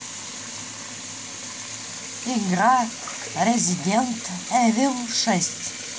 игра resident evil шесть